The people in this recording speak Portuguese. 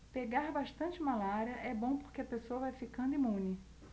pegar bastante malária é bom porque a pessoa vai ficando imune